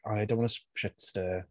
Oh, I don't want to shit stir.